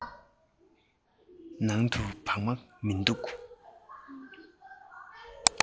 ནང དུ བག མ མི འདུག